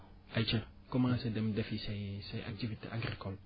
ayca commencé dem defi say say activités agricoles